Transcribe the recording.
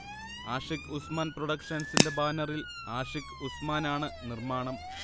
ആഷിക്ഉസ്മാൻ പ്രൊഡക്ഷൻസിന്റെ ബാനറിൽ ആഷിഖ് ഉസ്മാനാണ് നിർമാണം